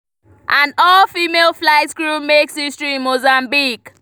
An all-female flight crew makes history in Mozambique